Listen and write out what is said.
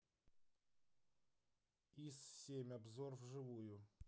ис семь обзор вживую